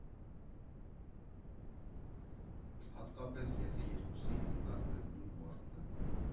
Հատկապես, եթե երկուսի հեղինակն էլ նույն մարդն է։